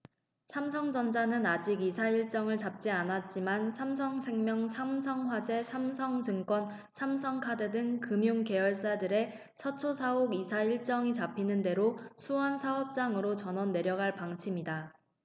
삼성전자는 아직 이사 일정은 잡지 않았지만 삼성생명 삼성화재 삼성증권 삼성카드 등 금융계열사들의 서초 사옥 이사 일정이 잡히는 대로 수원사업장으로 전원 내려갈 방침이다